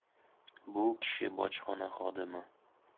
bu kishi bojxona xodimi